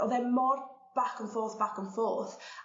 o'dd e mor back an' forth back an' forth